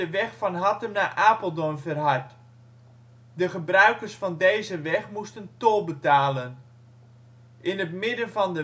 weg van Hattem naar Apeldoorn verhard. De gebruikers van deze weg moesten tol betalen. In het midden van